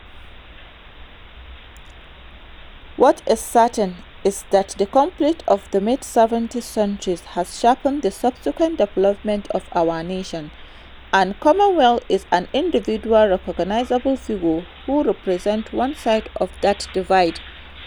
What is certain is that the conflict of the mid 17th century has shaped the subsequent development of our nation, and Cromwell is an individual recognizable figure who represents one side of that divide.